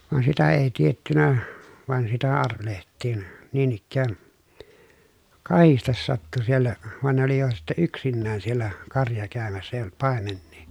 vaan sitä ei tiedetty vain arvelehdittiin niin ikään kahdesti sattui siellä vaan ne oli jo sitten yksinään siellä karja käymässä ei ollut paimenia